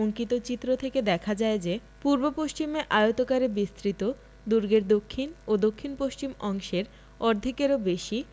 অঙ্কিত চিত্র থেকে দেখা যায় যে পূর্ব পশ্চিমে আয়তাকারে বিস্তৃত দুর্গের দক্ষিণ ও দক্ষিণপশ্চিম অংশের অর্ধেকেরও বেশি